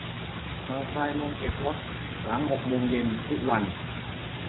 เปิดไฟโรงเก็บรถหลังหกโมงเย็นทุกวัน